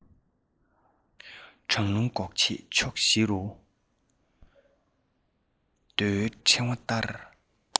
གྲང རླུང འགོག ཆེད ཕྱོགས བཞི རུ རྡོའི ཕྲེང བ བསྟར